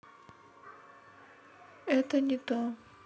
это не то